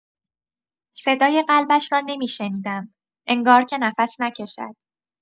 صدای قلبش را نمی‌شنیدم، انگار که نفس نکشد.